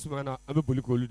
A a bɛ boli' de